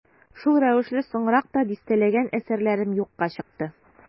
Шул рәвешле соңрак та дистәләгән әсәрләрем юкка чыкты.